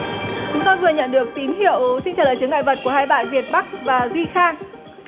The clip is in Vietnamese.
chúng tôi vừa nhận được tín hiệu xin trả lời chướng ngại vật của hai bạn việt bắc và duy khang